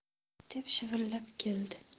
deb shivirlab keldi